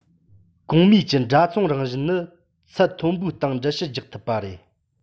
གོང སྨྲས ཀྱི འདྲ མཚུངས རང བཞིན ནི ཚད མཐོན པོའི སྟེང འགྲེལ བཤད རྒྱག ཐུབ པ རེད